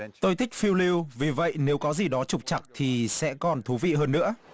tôi thích phiêu lưu vì vậy nếu có gì đó trục trặc thì sẽ còn thú vị hơn nữa